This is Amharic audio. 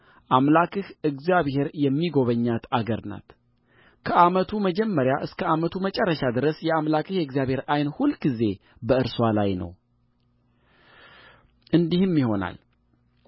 አምላክህ እግዚአብሔር የሚጐበኛት አገር ናት ከዓመቱ መጀመሪያ እስከ ዓመቱ መጨረሻ ድረስ የአምላክህ የእግዚአብሔር ዓይን ሁልጊዜ በእርስዋ ላይ ነውእንዲህም ይሆናል